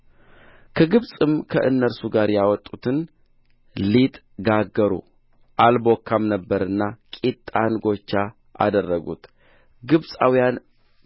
ከግብፅም ከእነርሱ ጋር ያወጡትን ሊጥ ጋገሩ አልቦካም ነበርና ቂጣ እንጎቻ አደረጉት ግብፃውያን